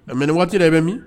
A mɛ nin waati yɛrɛ bɛ min